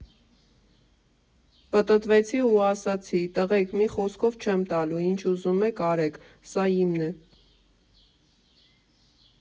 Պտտվեցի ու ասացի՝ տղեք, մի խոսքով չեմ տալու, ինչ ուզում եք արեք, սա իմն է։